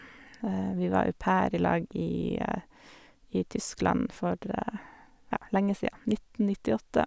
Vi var au pair i lag i i Tyskland for, ja, lenge sia, nitten nittiåtte.